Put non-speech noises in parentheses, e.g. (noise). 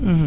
(hesitation) (hesitation)